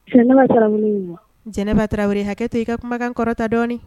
Salima tarawere, jɛnɛba tarawele, hakɛ to i ka kumakan kɔrɔta dɔɔnin